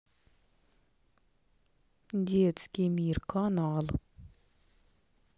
детский мир канал